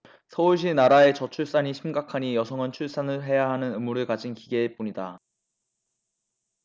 서울시나라의 저출산이 심각하니 여성은 출산을 해야 하는 의무를 가진 기계일 뿐이다